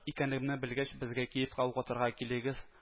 Икәнлегемне белгәч: безгә киевка укытырга килегез